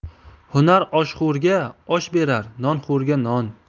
hunar oshxo'rga osh berar nonxo'rga non